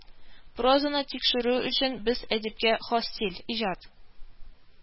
Прозаны тикшерү өчен, без әдипкә хас стиль, иҗат